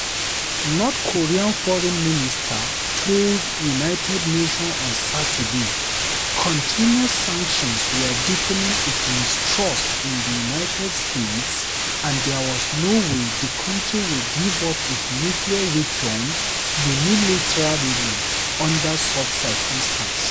North Korea's foreign minister told the United Nations on Saturday continued sanctions were deepening its mistrust in the United States and there was no way the country would give up its nuclear weapons unilaterally under such circumstances.